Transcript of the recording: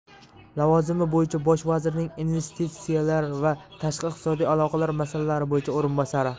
lavozimi bo'yicha bosh vazirning investitsiyalar va tashqi iqtisodiy aloqalar masalalari bo'yicha o'rinbosari